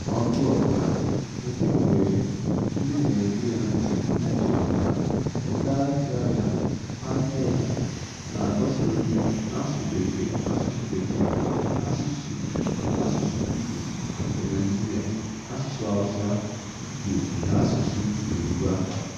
Ọdụ ọ bụla — nke nwere ndị na-ege ya ntị pụrụ iche na òkè ahịa ya — na-agbasa ozi n'asụsụ Bekee, asụsụ Pidgin nke Naịjirịa, asụsụ Hausa, Igbo na asụsụ Yoruba.